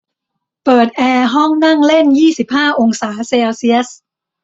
เปิดแอร์ห้องนั่งเล่นยี่สิบห้าองศาเซลเซียส